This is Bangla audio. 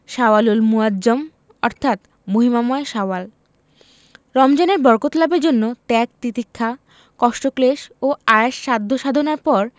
শাওয়ালুল মুআজ্জম অর্থাৎ মহিমাময় শাওয়াল রমজানের বরকত লাভের জন্য ত্যাগ তিতিক্ষা কষ্টক্লেশ ও আয়াস সাধ্য সাধনার পর